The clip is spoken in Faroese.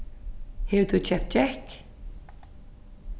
hevur tú keypt gekk